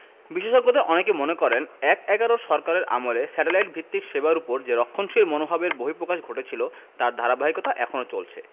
বিশেষজ্ঞদের অনেকে মনে করেন এক–এগারোর সরকারের আমলে স্যাটেলাইট ভিত্তিক সেবার ওপর যে রক্ষণশীল মনোভাবের বহিঃপ্রকাশ ঘটেছিল তার ধারাবাহিকতা এখনো চলছে